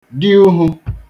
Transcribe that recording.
diūhū